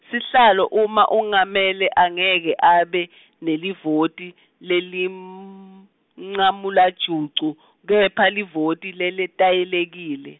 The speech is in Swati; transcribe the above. sihlalo uma engamele angeke abe, nelivoti, lelingum- -mncamlajucu, kepha livoti leletayelekile.